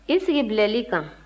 i sigi bilali kan